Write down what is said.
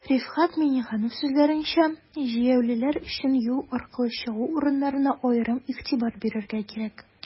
Рифкать Миңнеханов сүзләренчә, җәяүлеләр өчен юл аркылы чыгу урыннарына аерым игътибар бирергә кирәк.